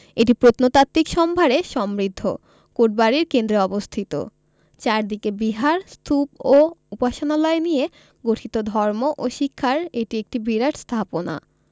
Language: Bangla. এটি প্রত্নতাত্ত্বিক সম্ভারে সমৃদ্ধ কোটবাড়ির কেন্দ্রে অবস্থিত চারদিকে বিহার স্তূপ ও উপাসনালয় নিয়ে গঠিত ধর্ম ও শিক্ষার এটি একটি বিরাট স্থাপনা